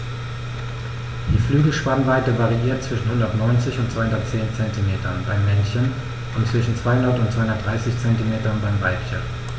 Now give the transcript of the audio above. Die Flügelspannweite variiert zwischen 190 und 210 cm beim Männchen und zwischen 200 und 230 cm beim Weibchen.